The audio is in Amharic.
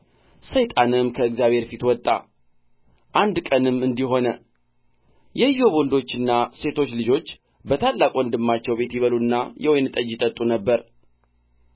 ሰይጣንም ከእግዚአብሔር ፊት ወጣ አንድ ቀንም እንዲህ ሆነ የኢዮብ ወንዶችና ሴቶች ልጆች በታላቅ ወንድማቸው ቤት ይበሉና የወይን ጠጅ ይጠጡ ነበር